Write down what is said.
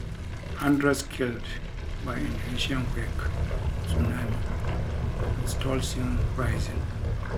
Hundreds killed by Indonesian quake, tsunami, with toll seen rising